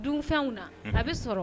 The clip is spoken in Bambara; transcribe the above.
Dunfɛnw na unhun a bɛ sɔrɔ